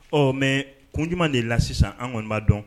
Ɔ mais kun jumɛ de la sisan an kɔni b'a don.